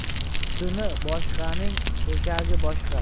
tutuni boshqaning to'shagi boshqa